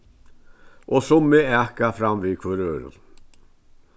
og summi aka fram við hvør øðrum